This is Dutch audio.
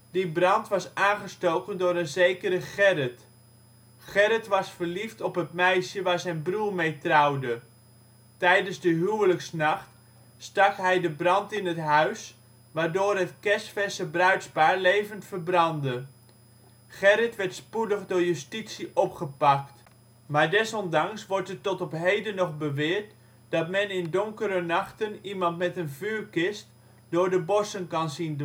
Die brand was aangestoken door een zekere Gerrit. Gerrit was verliefd op het meisje waar zijn broer mee trouwde. Tijdens de huwelijksnacht stak hij de brand in het huis, waardoor het kersverse bruidspaar levend verbrandde. Gerrit werd spoedig door justitie opgepakt, maar desondanks wordt er tot op heden nog beweerd dat men in donkere nachten iemand met een vuurkist door de bossen kan zien